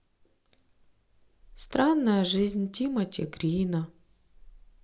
странная жизнь тимоти грина